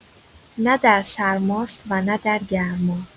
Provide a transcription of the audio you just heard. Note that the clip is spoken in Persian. نه در سرماست و نه در گرما.